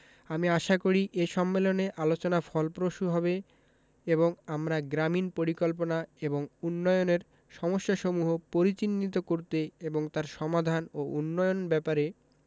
আমি আশা করি এ সম্মেলনে আলোচনা ফলপ্রসূ হবে এবং আমরা গ্রামীন পরিকল্পনা এবং উন্নয়নের সমস্যাসমূহ পরিচিহ্নিত করতে এবং তার সমাধান ও উন্নয়ন ব্যাপারে